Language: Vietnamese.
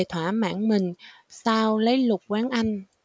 thỏa mãn mình sau lấy lục quán anh